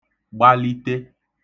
gbali(te)